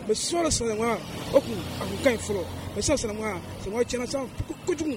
Bon fɔlɔ sinankunya o tun, a tun kaɲi fɔlɔ mais sisan sinankunya, sinankunya tiɲɛna kojugu